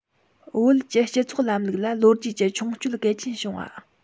བོད ཀྱི སྤྱི ཚོགས ལམ ལུགས ལ ལོ རྒྱུས ཀྱི མཆོང སྐྱོད གལ ཆེན བྱུང བ